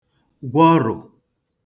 gwọrụ̀